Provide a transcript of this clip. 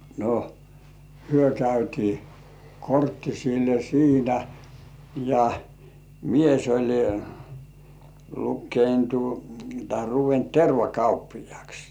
no he käytiin korttisille siinä ja mies oli lukeitui tai ruvennut tervakauppiaaksi